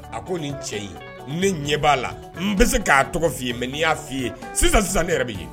A ko nin cɛ in ne ɲɛ b'a la n bɛ se k'a tɔgɔ f'i ye mɛ n' y'a'i ye sisan sisan ne yɛrɛ'i ye